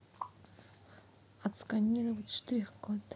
отсканировать штрих код